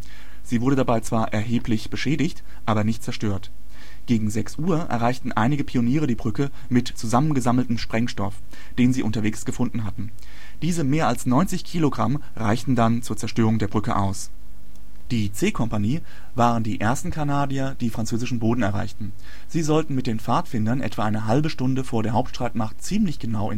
Sie wurde dabei zwar erheblich beschädigt, aber nicht zerstört. Gegen 6:00 Uhr erreichten einige Pioniere die Brücke mit zusammengesammeltem Sprengstoff, den sie unterwegs gefunden hatten. Diese mehr als 90 Kilogramm reichten dann zur Zerstörung der Brücke aus. Die C-Kompanie waren die ersten Kanadier, die französischen Boden erreichten. Sie sollten mit den Pfadfindern etwa eine halbe Stunde vor der Hauptstreitmacht ziemlich genau